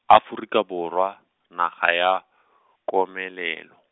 Aforika Borwa, naga ya , komelelo.